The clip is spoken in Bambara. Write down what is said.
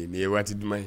Nin ye waati duman ye